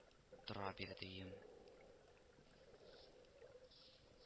Тора бирде өем